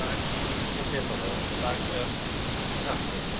Bag, o'n i ddim yn gwybod beth oedd e, oedd e fel bag, yym, papur.